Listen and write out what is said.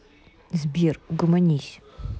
сбер угомонись